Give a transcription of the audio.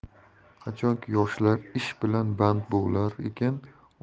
qachonki yoshlar ish bilan band